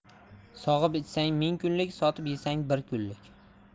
sog'ib ichsang ming kunlik sotib yesang bir kunlik